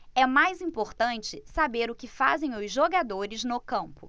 é mais importante saber o que fazem os jogadores no campo